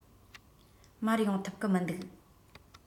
མར ཡོང ཐུབ གི མི འདུག